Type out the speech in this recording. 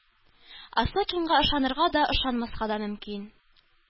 Осокинга ышанырга да, ышанмаска да мөмкин.